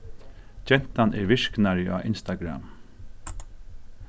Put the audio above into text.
gentan er virknari á instagram